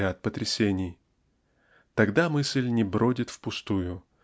ряд потрясений Тогда мысль не бродит впустую